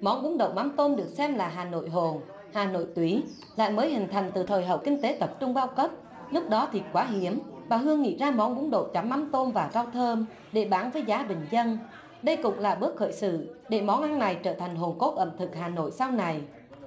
món bún đậu mắm tôm được xem là hà nội hồn hà nội túy làm mới hình thành từ thời hậu kinh tế tập trung bao cấp lúc đó thì quá hiếm bà hương nghĩ ra món bún đậu chấm mắm tôm và rau thơm để bán với giá bình dân đây cũng là bước khởi sự để món ăn này trở thành hồn cốt ẩm thực hà nội sau này